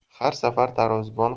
har safar tarozibon